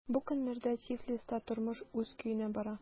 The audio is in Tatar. Бу көннәрдә Тифлиста тормыш үз көенә бара.